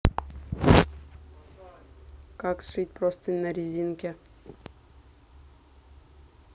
как сшить простынь на резинке